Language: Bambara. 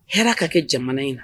Hɛrɛ ka kɛ jamana in na